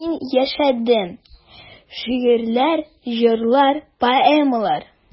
Мин яшәдем: шигырьләр, җырлар, поэмалар.